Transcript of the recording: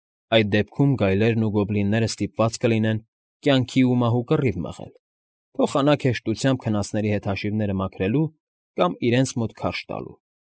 Այդ դեպքում գայլերն ու գոբլինները ստիպված կլինեն կյանքի ու մահու կռիվ մղել, փոխանակ հեշտությամբ քնածների հետ հաշիվները մքարելու կամ իրենց մոտ քարշ տալու։